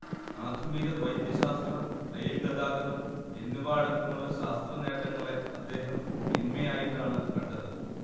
ആധുനിക വൈദ്യശാസ്ത്രം റെയിൽ ഗതാഗതം എന്നിവ അടക്കമുള്ള ശാസ്ത്രനേട്ടങ്ങളെ അദ്ദേഹം തിന്മയായിട്ടാണ് കണ്ടത്